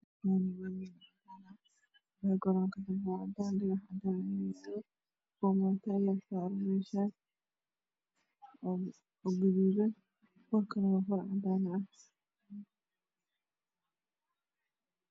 Background waa cadaan dhulka waa cadaan sidoo kale darbiga waa cadaan